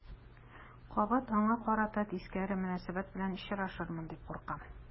Кабат аңа карата тискәре мөнәсәбәт белән очрашырмын дип куркам.